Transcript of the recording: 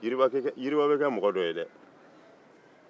yiriba bɛ kɛ mɔgɔ dɔ ye